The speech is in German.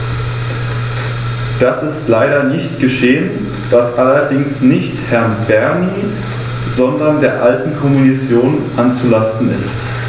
Das ist leider nicht geschehen, was allerdings nicht Herrn Bernie, sondern der alten Kommission anzulasten ist.